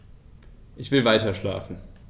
Ich will weiterschlafen.